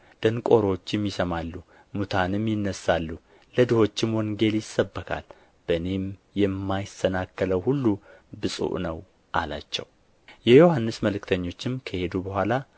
ደንቆሮዎችም ይሰማሉ ሙታንም ይነሣሉ ለድሆችም ወንጌል ይሰበካል በእኔም የማይሰናከለው ሁሉ ብፁዕ ነው አላቸው የዮሐንስ መልክተኞችም ከሄዱ በኋላ